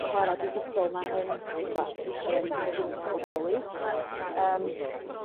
chwara' digidol 'ma yn r'wbath yrm sy'n bodoli yrm